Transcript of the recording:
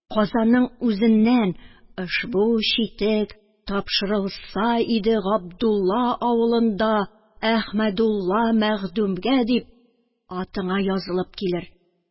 Казанның үзеннән, «Ошбу читек тапшырылса иде Габдулла авылында Әхмәдулла мәхдүмгә» дип, атыңа язылып килер